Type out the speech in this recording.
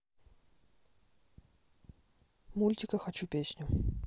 мультика хочу песни